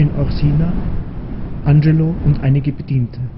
Orsina Angelo und einige Bediente